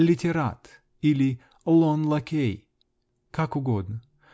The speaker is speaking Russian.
"Литтерат" или лонлакей, как угодно.